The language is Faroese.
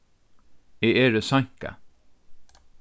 eg eri seinkað